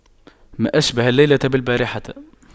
ما أشبه الليلة بالبارحة